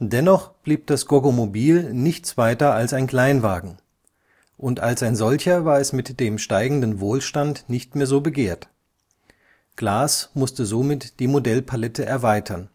Dennoch blieb das Goggomobil nichts weiter als ein Kleinwagen, und als ein solcher war es mit dem steigenden Wohlstand nicht mehr so begehrt. Glas musste somit die Modellpalette erweitern